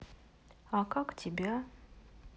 а как тебя